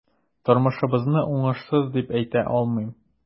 Тормышыбызны уңышсыз дип әйтә алмыйм.